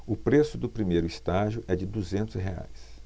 o preço do primeiro estágio é de duzentos reais